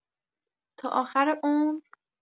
تا آخر عمر؟!